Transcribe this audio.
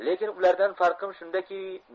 lekin ulardan farqim shundaki